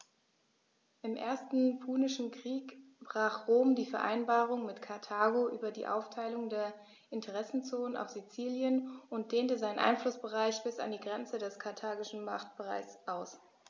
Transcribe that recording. Im Ersten Punischen Krieg brach Rom die Vereinbarung mit Karthago über die Aufteilung der Interessenzonen auf Sizilien und dehnte seinen Einflussbereich bis an die Grenze des karthagischen Machtbereichs aus.